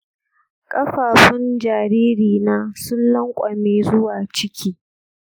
ƙafafun jaririna sun lankwame zuwa ciki